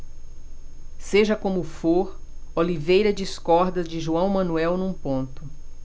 seja como for oliveira discorda de joão manuel num ponto